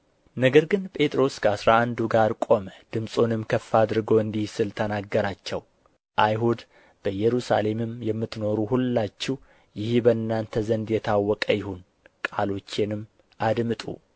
ነገር ግን ጴጥሮስ ከአሥራ አንዱ ጋር ቆመ ድምፁንም ከፍ አድርጎ እንዲህ ሲል ተናገራቸው አይሁድ በኢየሩሳሌምም የምትኖሩ ሁላችሁ ይህ በእናንተ ዘንድ የታወቀ ይሁን ቃሎቼንም አድምጡ